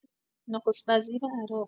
نخست‌وزیر عراق